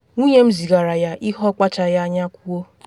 “Nwunye m zigara ya ihe ọ akpachaghị anya kwuo.